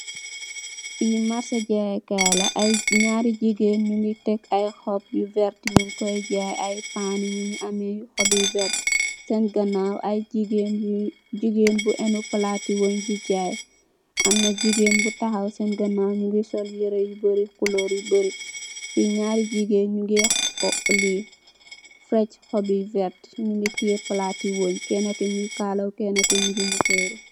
Li marche jaye ye kai la mungi am nyarri jigeen nyungi tek khop yu verta nyung kuy jaye ay couleur mungi am lu verta sen ganaw mungi ame jigeen bu enu palat di jaye amna jigeen bu takhaw sen ganaw mungi sul yereh yu bori couleur yu bari nyarri jigeen nyunge fetch khop yu verta nyungi teyeh palati wunye kenaki mungi kala